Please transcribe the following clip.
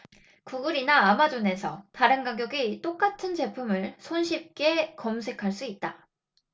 구글이나 아마존에서 다른 가격의 똑같은 제품을 손쉽게 검색할 수 있다